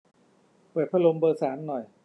เปิดพัดลมเบอร์สามหน่อย